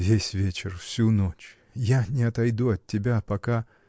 — Весь вечер, всю ночь; я не отойду от тебя, пока.